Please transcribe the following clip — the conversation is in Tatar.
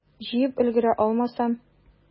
Җыеп өлгерә алмасам?